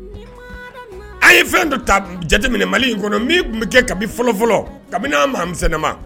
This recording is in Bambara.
A ye fɛn dɔ jateminɛ mali in kɔnɔ min tun bɛ kɛ ka fɔlɔ fɔlɔ kabini n mama